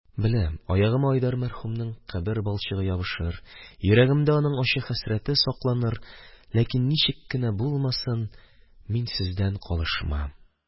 Беләм, аягыма Айдар мәрхүмнең кабер балчыгы ябышыр, йөрәгемдә аның ачы хәсрәте сакланыр, ләкин, ничек кенә булмасын, мин сездән калышмам.